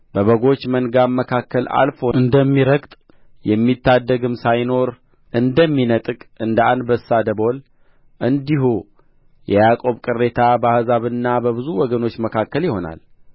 በበጎች መንጋም መካከል አልፎ እንደሚረግጥ የሚታደግም ሳይኖር እንደሚነጥቅ እንደ አንበሳ ደቦል እንዲሁ የያዕቆብ ቅሬታ በአሕዛብና በብዙ ወገኖች መካከል ይሆናል